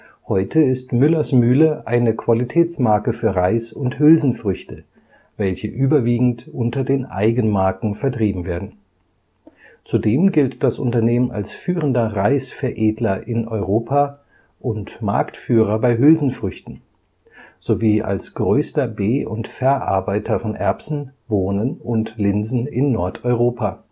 Heute ist Müller’ s Mühle eine Qualitätsmarke für Reis und Hülsenfrüchte, welche überwiegend unter den Eigenmarken vertrieben werden. Zudem gilt das Unternehmen als führender Reis-Veredler in Europa und Marktführer bei Hülsenfrüchten, sowie als größter Be - und Verarbeiter von Erbsen, Bohnen und Linsen in Nordeuropa